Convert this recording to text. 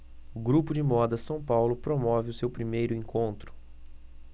o grupo de moda são paulo promove o seu primeiro encontro